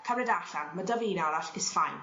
cymryd w allan ma' 'dy fi un arall i's fine.